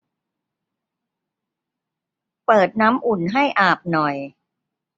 เปิดน้ำอุ่นให้อาบหน่อย